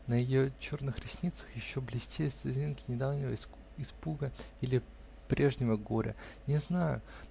на ее черных ресницах еще блестели слезинки недавнего испуга или прежнего горя, -- не знаю.